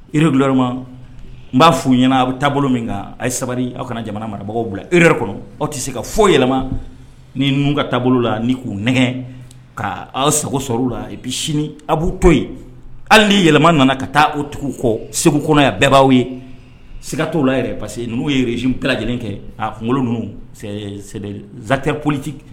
Redu n b'a f' u ɲɛna a bɛ taabolo min ayi ye sabali aw kana jamana marabagaw bila e yɛrɛ kɔnɔ aw tɛ se ka fɔ yɛlɛma ni ka taabolo la n k'u nɛgɛ ka aw sagogo sɔrɔ la i bɛ sini a b'u to yen hali ni yɛlɛma nana ka taa otigiw kɔ segu kɔnɔ yan bɛɛ'aw ye siga t la yɛrɛ pa que n'u yeresi bɛɛ lajɛlen kɛ a kunkolo ninnute politi